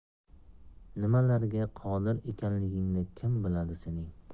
nimalarga qodir ekanligingni kim biladi sening